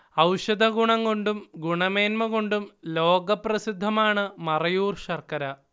ഔഷധഗുണം കൊണ്ടും ഗുണമേൻമക്കൊണ്ടും ലോകപ്രസിദ്ധമാണ് മറയൂർ ശർക്കര